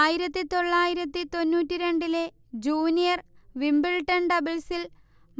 ആയിരത്തി തൊള്ളായിരത്തി തൊണ്ണൂറ്റി രണ്ടിലെ ജൂനിയർ വിംബിൾട്ടൺ ഡബ്ൾസിൽ